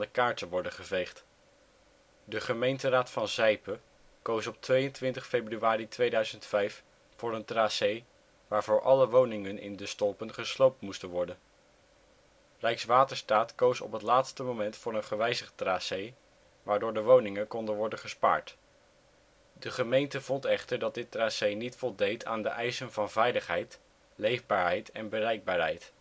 kaart te worden geveegd. De gemeenteraad van Zijpe koos op 22 februari 2005 voor een tracé waarvoor alle woningen in De Stolpen gesloopt moesten worden. Rijkswaterstaat koos op het laatste moment voor een gewijzigd tracé, waardoor de woningen konden worden gespaard. De gemeente vond echter dat dit tracé niet voldeed aan de eisen van veiligheid, leefbaarheid en bereikbaarheid